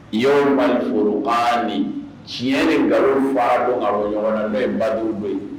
Ɲɔn kulubali furu hali tiɲɛ ni nkalon fa don ka ɲɔgɔn na n'o ye badu don ye